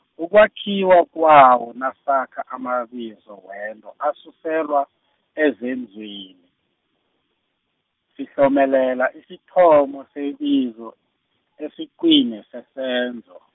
ukwakhiwa kwawo nasakha amabizo wento asuselwa, ezenzweni, sihlomelela isithomo sebizo, esiqwini sesenzo.